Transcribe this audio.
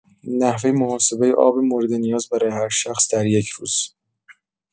نحوه محاسبه آب مورد نیاز برای هر شخص در یک روز!